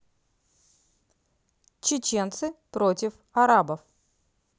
чеченцы против арабов